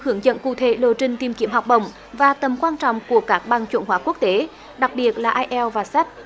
hướng dẫn cụ thể lộ trình tìm kiếm học bổng và tầm quan trọng của các bằng chuẩn hóa quốc tế đặc biệt là ai eo và sách